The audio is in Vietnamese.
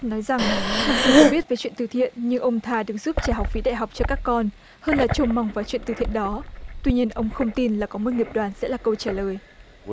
nói rằng mặc dù có biết về chuyện từ thiện như ông thà được giúp để trả học phí đại học cho các con hơn là trông mong vào chuyện từ thiện đó tuy nhiên ông không tin là có một nghiệp đoàn sẽ là câu trả lời